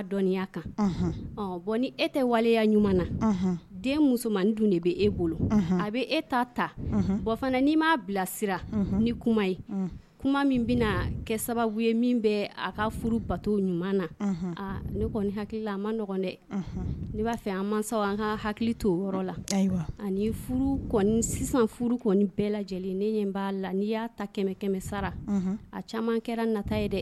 Den musoman a bɛ e ta ta fana ni'i m' bilasira ni kuma kuma min bɛna kɛ sababu ye min bɛ a ka furu bato ɲuman na ne kɔni hakilila a manɔgɔn dɛ n b'a fɛ an masa an ka hakili to o yɔrɔ la ani sisan furu kɔni bɛɛ lajɛlen ne b'a la n'i y'a ta kɛmɛ kɛmɛ sara a caman kɛra nata yɛrɛ dɛ